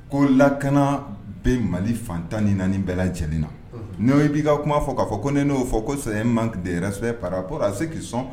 Ko lakana bɛ mali fantan ni naani bɛɛla lajɛlen na n'o b'i ka kuma fɔ k'a fɔ ko n'o fɔ ko saya man de sɛ para walasa se k'i sɔn